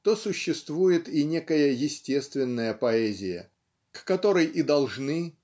то существует и некая естественная поэзия к которой и должны